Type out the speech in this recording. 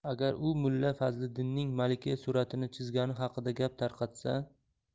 agar u mulla fazliddinning malika suratini chizgani haqida gap tarqatsa